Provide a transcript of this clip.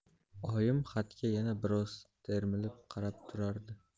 oyim xatga yana biroz termilib qarab turardi